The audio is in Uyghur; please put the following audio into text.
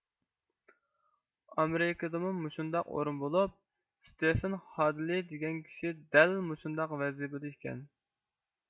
ئامېرىكىدىمۇ مۇشۇنداق ئورۇن بولۇپ ستېفېن خادلېي دېگەن كىشى دەل مۇشۇنداق ۋەزىپىدە ئىكەن